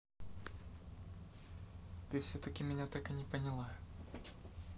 ты все таки меня так и не поняла